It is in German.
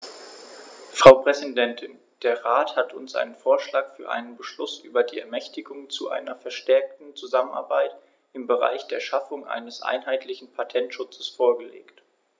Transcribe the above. Frau Präsidentin, der Rat hat uns einen Vorschlag für einen Beschluss über die Ermächtigung zu einer verstärkten Zusammenarbeit im Bereich der Schaffung eines einheitlichen Patentschutzes vorgelegt.